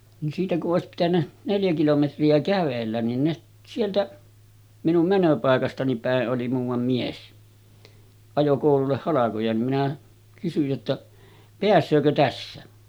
niin siitä kun olisi pitänyt neljä kilometriä kävellä niin ne sieltä minun menopaikastani päin oli muuan mies ajoi koululle halkoja niin minä kysyin jotta pääseekö tässä